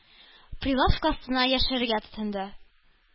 Прилавка астына яшерергә тотынды.